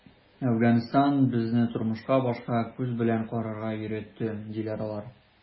“әфганстан безне тормышка башка күз белән карарга өйрәтте”, - диләр алар.